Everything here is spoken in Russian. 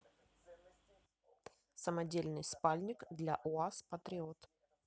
самодельный спальник для уаз патриот